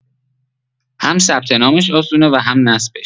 هم ثبت نامش آسونه و هم نصبش